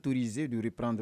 Tosiepdte